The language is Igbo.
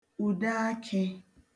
ùdeakị̄